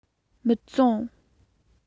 མི བཙོངས